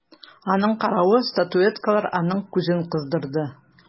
Аның каравы статуэткалар аның күзен кыздырды.